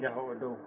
jaahowo dow